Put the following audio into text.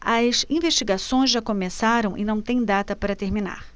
as investigações já começaram e não têm data para terminar